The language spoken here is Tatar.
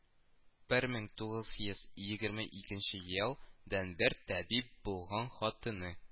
Бер мең тугыз йөз егерме икенче ел- дәнбер табиб булган хатыны